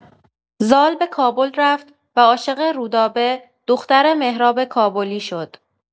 زال به کابل رفت و عاشق رودابه، دختر مهراب کابلی، شد.